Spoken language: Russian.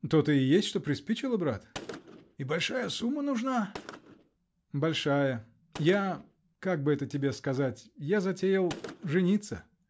-- То-то и есть, что приспичило, брат. -- И большая сумма нужна? -- Большая. Я. как бы это тебе сказать? я затеял. жениться.